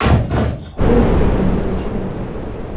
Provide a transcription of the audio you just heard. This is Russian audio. сколько тебе не отвечает